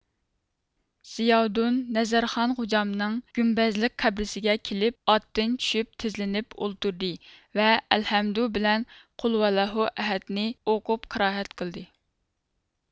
زىياۋۇدۇن نەزەرخان غوجامنىڭ گۈمبەزلىك قەبرىسىگە كېلىپ ئاتتىن چۈشۈپ تىزلىنىپ ئولتۇردى ۋە ئەلھەمدۇ بىلەن قۇلھۇۋەللاھۇ ئەھەد نى ئوقۇپ قىرائەت قىلدى